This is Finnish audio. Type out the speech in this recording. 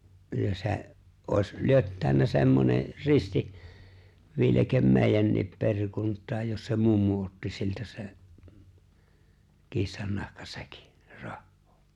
kyllä se olisi lyöttäytynyt semmoinen risti viileke meidänkin perikuntaan jos se mummo otti siltä sen kissannahkasäkin rahaa